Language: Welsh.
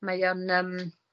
Mae o'n yym